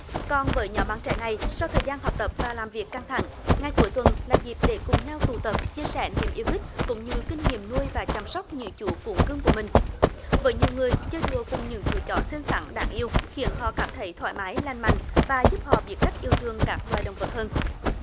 còn với nhóm bạn trẻ này sau thời gian học tập và làm việc căng thẳng ngày cuối tuần là dịp để cùng nhau tụ tập chia sẻ niềm yêu thích cũng như kinh nghiệm nuôi và chăm sóc những chú cún cưng của mình với nhiều người chơi đùa cùng những chú chó xinh xắn đáng yêu khiến họ cảm thấy thoải mái lành mạnh và giúp họ biết cách yêu thương các loài động vật hơn